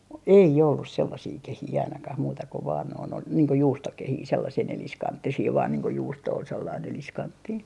ei ollut sellaisia kehiä ainakaan muuta kuin vain noin oli niin kuin juustokehiä sellaisia neliskanttisia vain niin kuin juusto oli sellainen neliskanttinen